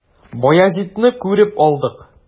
Баязитны күреп алдык.